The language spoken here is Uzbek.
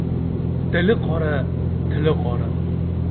dili qora till qora